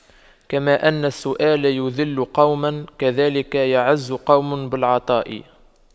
كما أن السؤال يُذِلُّ قوما كذاك يعز قوم بالعطاء